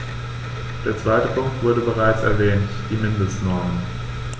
Der zweite Punkt wurde bereits erwähnt: die Mindestnormen.